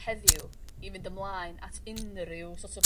heddiw i fynd ymlaen at unrhyw so't of...